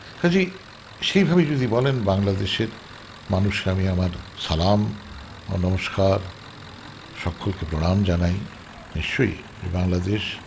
কাজেই সেই ভাবে যদি বলেন বাংলাদেশের মানুষকে আমি আমার সালাম ও নমস্কার সক্কলকে প্রণাম জানাই নিশ্চয়ই যে বাংলাদেশ